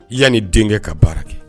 Yan ni denkɛ ka baara kɛ